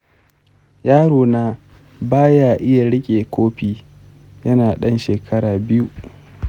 yarona ba ya iya riƙe kofi yana ɗan shekara biyu.